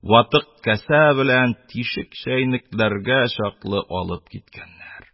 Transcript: Ватык кәсә белән тишек чәйнекләргә чаклы алып киткәннәр.